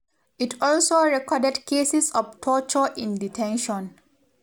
It also recorded cases of torture in detention.